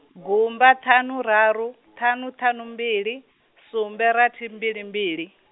gumba ṱhanu raru, ṱhanu ṱhanu mbili, sumbe rathi mbili mbili.